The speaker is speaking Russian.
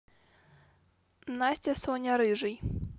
настя соня рыжий